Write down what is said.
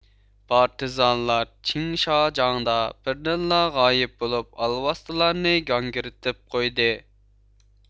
پارتىزانلار چىڭشاجاڭدا بىردىنلا غايىب بولۇپ ئالۋاستىلارنى گاڭگىرىتىپ قويدى